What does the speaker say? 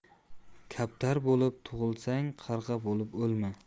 kaptar bo'lib tug'ilsang qarg'a bo'lib o'lma